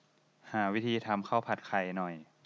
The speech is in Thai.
หาวิธีทำข้าวผัดไข่หน่อย